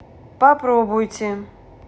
попробуйте